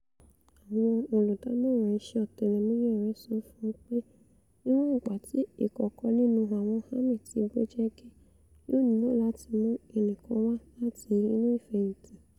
Àwọn olùdámọ̀ràn iṣẹ́ ọ̀tẹlẹ̀múyẹ rẹ̀ sọ fún un pé níwọn ìgbàtí ìkọ̀ọ̀kan nínú àwọn àmì ti gbọ̀jẹ̀gẹ́, yóò nílò láti mú ẹnìkan wá láti inu ìfẹ̀yìntì.